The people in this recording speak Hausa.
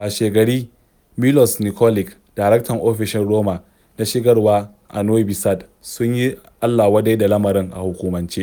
Washegari, Milos Nikolic, daraktan ofishin Roma na shigarwa a Noɓi Sad, sun yi allawadai da lamarin a hukumance.